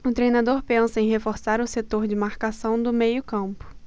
o treinador pensa em reforçar o setor de marcação do meio campo